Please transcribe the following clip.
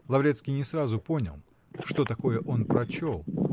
Лаврецкий не сразу понял, что такое он прочел